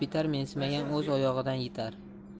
bitar mensimagan o'z oyog'idan yitar